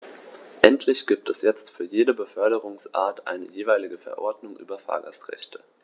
Endlich gibt es jetzt für jede Beförderungsart eine jeweilige Verordnung über Fahrgastrechte.